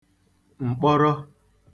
m̀kpọrọ